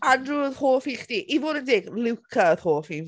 Andrew oedd hoff un chdi. I fod yn deg, Luca odd hoff un fi...